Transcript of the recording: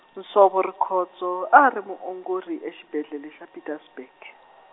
Nsovo Rikhotso a ri muongori exibedlele xa Pietersburg.